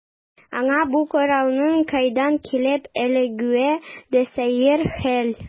Аңа бу коралның кайдан килеп эләгүе дә сәер хәл.